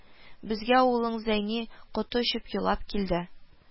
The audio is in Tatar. Безгә улың Зәйни коты очып елап килде